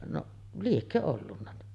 no liekö ollut